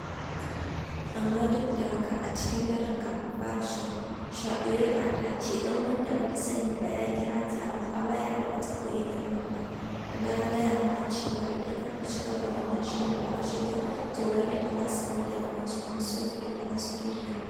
Amma duk da haka, a cikin dare kafin fara shirin, Shabuyeɓa ta ce, wani wanda ba ta sani ba ya kira ta a waya da wata ɓoyayyiyar lamba kuma ya gaya mata cewa idan har ta cigaba da wannan shirin da aka shirya, to baƙinta za su gamu da gamonsu in sun fito daga sitidiyon.